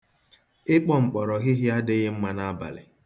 Ịkpọ mkpọrọhịhị adịghị mma n'abalị.